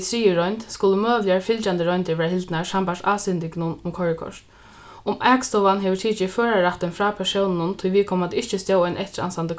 triðju roynd skulu møguligar fylgjandi royndir verða hildnar sambært um koyrikort um akstovan hevur tikið førararættin frá persóninum tí viðkomandi ikki stóð ein eftiransandi